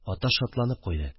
Ата шатланып куйды